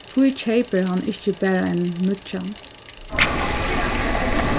hví keypir hann ikki bara ein nýggjan